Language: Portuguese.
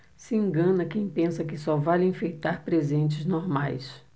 se engana quem pensa que só vale enfeitar presentes normais